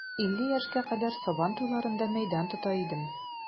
Илле яшькә кадәр сабан туйларында мәйдан тота идем.